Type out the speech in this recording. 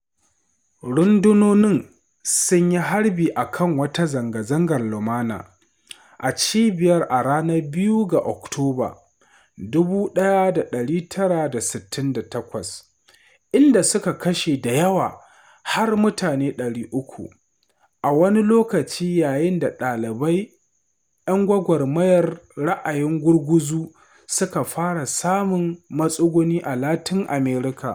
Rundunonin sun yi harbi a kan wata zanga-zangar lumana a cibiyar a ranar 2 ga Oktoba, 1968, inda suka kashe da yawa har mutane 300 a wani lokaci yayin da ɗalibai ‘yan gwagwarmayar ra’ayin gurguzu suka fara samun matsuguni a Latin America.